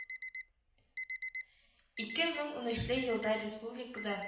Ике мең унөчле елда республикада